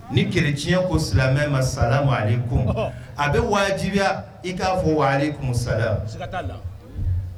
Ni chrétien ko silamɛ ma salamualekum ɔhɔ a be waajibiya i k'a fɔ waalekumsalam siga t'a la